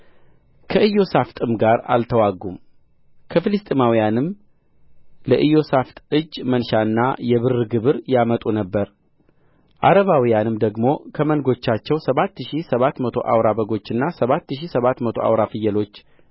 ከኢዮሳፍጥም ጋር አልተዋጉም ከፍልስጥኤማውያን ለኢዮሳፍጥ እጅ መንሻና የብር ግብር ያመጡ ነበር ዓረባውያንም ደግሞ ከመንጎቻቸው ሰባት ሺህ ሰባት መቶ አውራ በጎችና ሰባት ሺህ ሰባት ሺህ ሰባት መቶ አውራ ፍየሎች